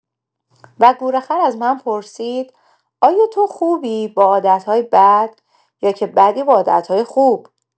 و گورخر از من پرسید: آیا تو خوبی با عادت‌های بد، یا که بدی با عادت‌های خوب؟